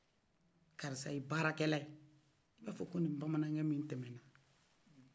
karisa ye baara kɛla e fɔ kɔm ni bamanan kɛ mi tɛmɛna